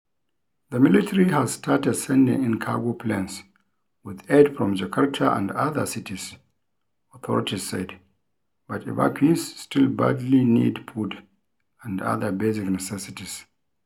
The military has started sending in cargo planes with aid from Jakarta and other cities, authorities said, but evacuees still badly need food and other basic necessities.